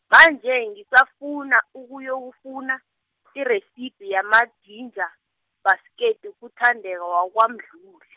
manje ngisafuna, ukuyokufuna, iresiphi yamajinja, bhasketi kuThandeka wakwaMdluli.